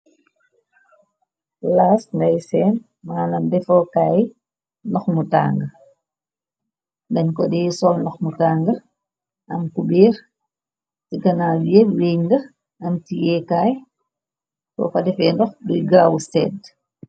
Flash ngay seen maanam defokaay ndox mu tànga, dañ ko dee sol ndox mu tanga. Am ku beer ci ganaw yéb wéng la, am tiyeekaay sooko defee ndox du gawa seda.